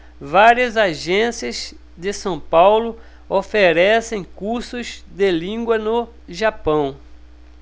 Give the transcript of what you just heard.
várias agências de são paulo oferecem cursos de língua no japão